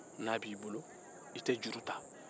n'a b'i bolo i tɛ juru ta